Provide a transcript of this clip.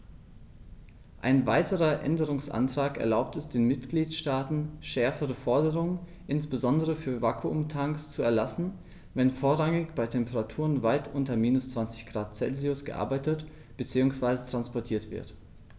Ein weiterer Änderungsantrag erlaubt es den Mitgliedstaaten, schärfere Forderungen, insbesondere für Vakuumtanks, zu erlassen, wenn vorrangig bei Temperaturen weit unter minus 20º C gearbeitet bzw. transportiert wird.